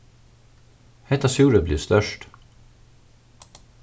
hatta súreplið er stórt